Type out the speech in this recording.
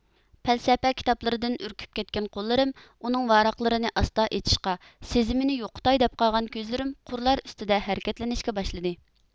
پەلسەپە كىتابلىرىدىن ئۈركۈپ كەتكەن قوللىرىم ئۇنىڭ ۋاراقلىرىنى ئاستا ئېچىشقا سېزىمىنى يوقىتاي دەپ قالغان كۆزلىرىم قۇرلار ئۈستىدە ھەرىكەتلىنىشكە باشلىدى